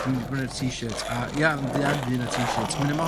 ...dwi mynd i brynu'r t shirts a ia yn fuan fu 'na t shirts munud ma'...